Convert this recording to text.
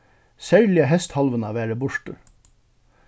serliga heysthálvuna var eg burtur